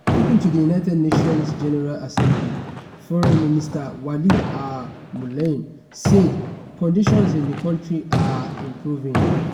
Speaking to the United Nations General Assembly, Foreign minister Walid al-Moualem said conditions in the country are improving.